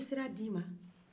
n ye sira d'i ma